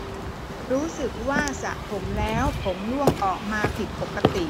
รู้สึกว่าสระผมแล้วผมร่วงออกมาผิดปกติ